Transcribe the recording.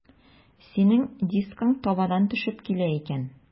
Синең дискың табадан төшеп килә икән.